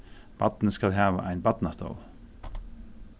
barnið skal hava ein barnastól